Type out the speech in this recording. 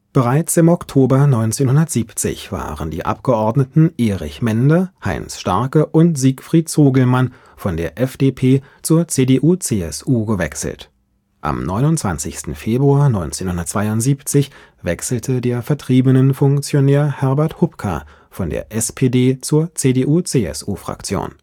Bereits im Oktober 1970 waren die Abgeordneten Erich Mende, Heinz Starke und Siegfried Zoglmann von der FDP zur CDU/CSU gewechselt. Am 29. Februar 1972 wechselte der Vertriebenenfunktionär Herbert Hupka von der SPD - zur CDU/CSU-Fraktion